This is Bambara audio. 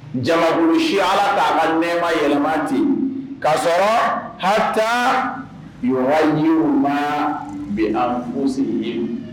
Jagolosi ala k'a ka nɛma yɛlɛma ten k kaa sɔrɔ hata ɲɔju ma bi an musosi ye